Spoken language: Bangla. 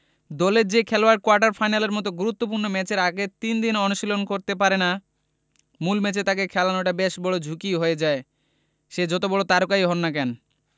দলের যে খেলোয়াড় কোয়ার্টার ফাইনালের মতো গুরুত্বপূর্ণ ম্যাচের আগে তিন দিন অনুশীলন করতে পারেন না মূল ম্যাচে তাঁকে খেলানোটা বেশ বড় ঝুঁকিই হয়ে যায় সে যত বড় তারকাই হোন না কেন